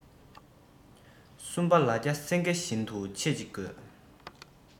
གསུམ པ ལ རྒྱ སེངྒེ བཞིན དུ ཆེ གཅིག དགོས